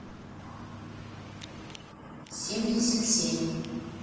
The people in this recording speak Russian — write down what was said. семьдесят семь